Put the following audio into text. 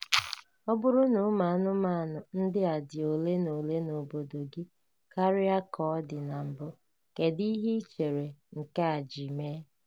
"Ọ bụrụ na ụmụanụmanụ ndị a dị ole na ole n'obodo gị karịa ka ọ dị na mbụ, kedu ihe i chere nke a ji mee?